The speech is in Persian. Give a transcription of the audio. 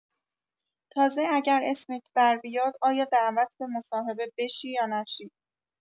تازه اگر اسمت دربیاد آیا دعوت به مصاحبه بشی یا نشی.